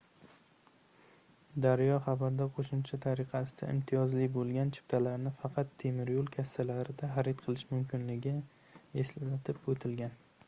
daryo xabarda qo'shimcha tariqasida imtiyozli bo'lgan chiptalarni faqat temiryo'l kassalarida xarid qilish mumkinligi eslatib o'tilgan